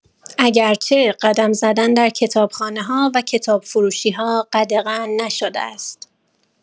اگرچه قدم زدن در کتابخانه‌ها و کتاب‌فروشی‌ها قدغن نشده است!